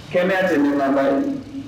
Kɛmɛ tɛ laban ye